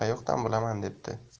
ekanini endi qayoqdan bilaman debdi